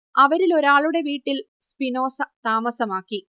അവരിലൊരാളുടെ വീട്ടിൽ സ്പിനോസ താമസമാക്കി